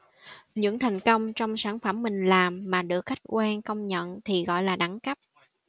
những thành công trong sản phẩm mình làm mà được khách quan công nhận thì gọi là đẳng cấp